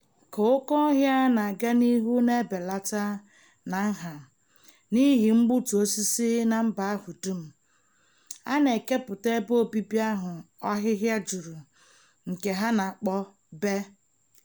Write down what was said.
Ka oke ọhịa na-aga n'ihu na-ebelata na nha n'ihi mgbutu osisi na mba ahụ dum, a na-ekepụta ebe obibi ahụ ahịhịa juru nke ha na-akpọ bé.